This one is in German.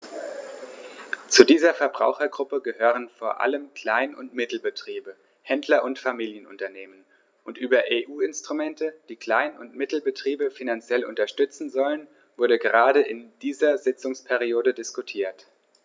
Zu dieser Verbrauchergruppe gehören vor allem Klein- und Mittelbetriebe, Händler und Familienunternehmen, und über EU-Instrumente, die Klein- und Mittelbetriebe finanziell unterstützen sollen, wurde gerade in dieser Sitzungsperiode diskutiert.